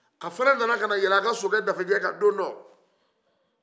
a fana nana ka yɛlɛ a ka sokɛ dafejɛ kan don dɔ